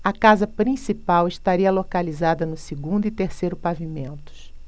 a casa principal estaria localizada no segundo e terceiro pavimentos